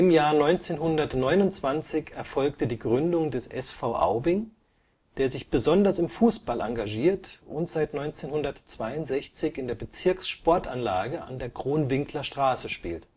Jahr 1929 erfolgte die Gründung des SV Aubing, der sich besonders im Fußball engagiert und seit 1962 in der Bezirkssportanlage an der Kronwinklerstraße spielt